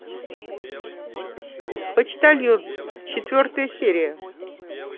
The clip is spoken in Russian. почтальон четвертая серия